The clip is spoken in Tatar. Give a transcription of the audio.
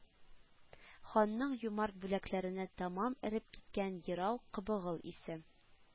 Ханның юмарт бүләкләренә тәмам эреп киткән ерау Кобогыл исе